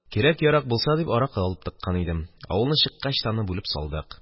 Кирәк-ярак булса дип, аракы алып тыккан идем, авылны чыккач та, аны бүлеп салдык.